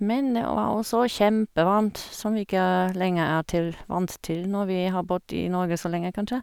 Men det var også kjempevarmt, som vi ikke lenger er til vant til når vi har bodd i Norge så lenge, kanskje.